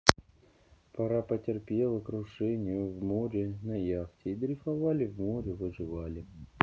пара потерпела крушение в море на яхте и дрейфовали в море выживали